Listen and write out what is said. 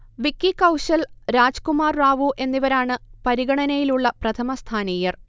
വിക്കി കൗശൽ, രാജ്കുമാർ റാവു എന്നിവരാണ് പരിഗണനയിലുള്ള പ്രഥമസ്ഥാനീയർ